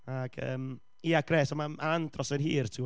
Ac, yym, ia grêt, ond mae o'n andros o hir, ti'n gwybod.